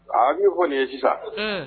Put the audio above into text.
Aa b' fɔ nin ye sisan